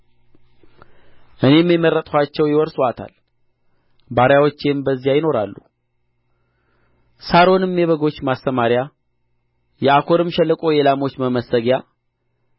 እኔም የመረጥኋቸው ይወርሱአታል ባሪያዎቼም በዚያ ይኖራሉ ሳሮንም የበጎች ማሰማርያ የአኮርም ሸለቆ የላሞች መመሰግያ